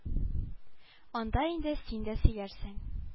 Анда инде син дә сөйләрсең